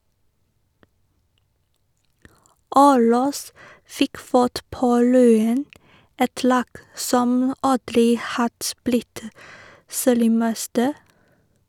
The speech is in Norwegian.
Aulas fikk fart på Lyon, et lag som aldri hadde blitt seriemester.